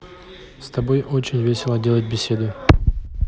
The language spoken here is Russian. с тобой очень весело делать беседу